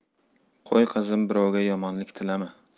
qo'y qizim birovga yomonlik tilama